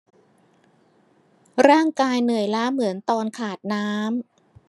ร่างกายเหนื่อยล้าเหมือนตอนขาดน้ำ